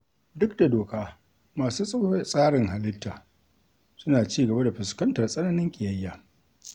Duk da doka, masu sauya tsarin halitta suna cigaba da fuskantar tsananin ƙiyayya.